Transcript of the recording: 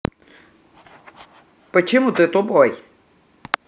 почему ты тупой